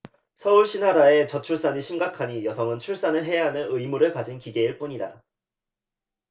서울시나라의 저출산이 심각하니 여성은 출산을 해야 하는 의무를 가진 기계일 뿐이다